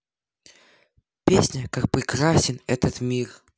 песня как прекрасен этот мир